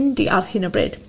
yndi ar hyn o bryd.